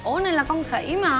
ủa này là con khỉ mà